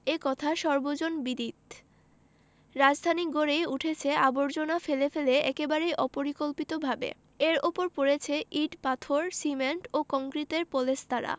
এ কথা সর্বজনবিদিত রাজধানী গড়েই উঠেছে আবর্জনা ফেলে ফেলে একেবারেই অপরিকল্পিতভাবে এর ওপর পড়েছে ইট পাথর সিমেন্ট ও কংক্রিটের পলেস্তারা